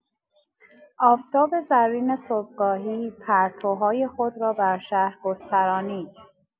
آفتاب زرین صبحگاهی، پرتوهای خود را بر شهر گسترانید.